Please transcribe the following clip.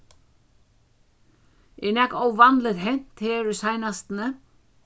er nakað óvanligt hent her í seinastuni